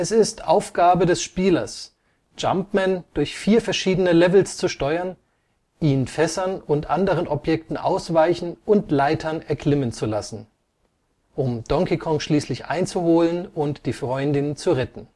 ist Aufgabe des Spielers, Jumpman durch vier verschiedene Levels zu steuern, ihn Fässern und anderen Objekten ausweichen und Leitern erklimmen zu lassen, um Donkey Kong schließlich einzuholen und die Freundin zu retten